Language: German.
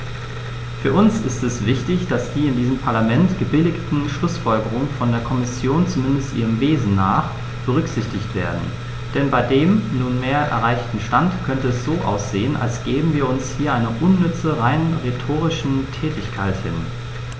Für uns ist es wichtig, dass die in diesem Parlament gebilligten Schlußfolgerungen von der Kommission, zumindest ihrem Wesen nach, berücksichtigt werden, denn bei dem nunmehr erreichten Stand könnte es so aussehen, als gäben wir uns hier einer unnütze, rein rhetorischen Tätigkeit hin.